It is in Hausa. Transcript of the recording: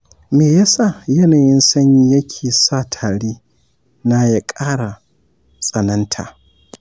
me yasa yanayin sanyi yake sa tari na ya ƙara tsananta?